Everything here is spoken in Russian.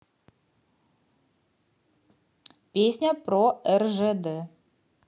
песня про ржд